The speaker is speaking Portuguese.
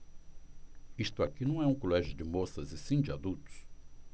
isto aqui não é um colégio de moças e sim de adultos